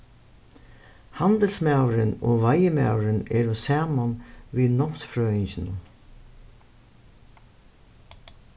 handilsmaðurin og veiðimaðurin eru saman við námsfrøðinginum